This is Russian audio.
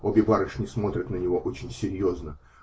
Обе барышни смотрят на него очень серьезно.